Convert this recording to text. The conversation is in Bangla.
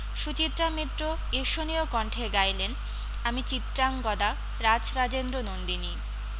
সুচিত্রা মিত্র ঈর্ষণীয় কণ্ঠে গাইলেন আমি চিত্রাঙ্গদা রাজরাজেন্দ্রনন্দিনী